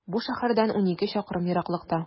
Бу шәһәрдән унике чакрым ераклыкта.